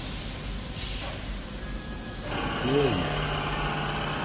тыловик